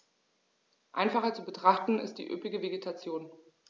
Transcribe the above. Einfacher zu betrachten ist die üppige Vegetation.